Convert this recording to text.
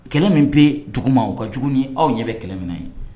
Kɛlɛ min bɛ duguma o ka jugu ni aw ɲɛ bɛ kɛlɛ min na ye